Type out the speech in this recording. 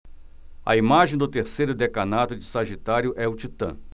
a imagem do terceiro decanato de sagitário é o titã